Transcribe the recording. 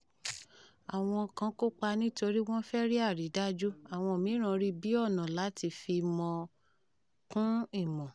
Àwọn kan kópa nítorí wọ́n fẹ́ rí àrídájú; àwọn mìíràn rí i bí ọ̀nà láti fi ìmọ̀ kún ìmọ̀.